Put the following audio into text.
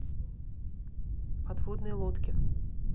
подводные лодки